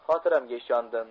xotiramga ishondim